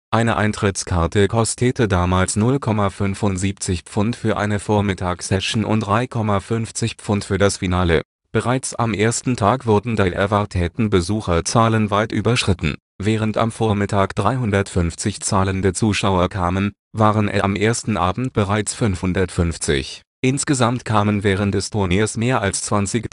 Eine Eintrittskarte kostete damals 0,75 £ für eine Vormittags-Session und 3,50 £ für das Finale. Bereits am ersten Tag wurden die erwarteten Besucherzahlen weit überschritten. Während am Vormittag 350 zahlende Zuschauer kamen, waren es am ersten Abend bereits 550. Insgesamt kamen während des Turniers mehr als 20.000